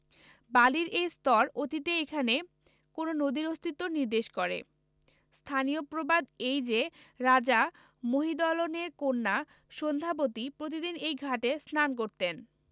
বালির এই স্তর অতীতে এখানে কোন নদীর অস্তিত্ব নির্দেশ করে স্থানীয় প্রবাদ এই যে রাজা মহিদলনের কন্যা সন্ধ্যাবতী প্রতিদিন এই ঘাটে স্নান করতেন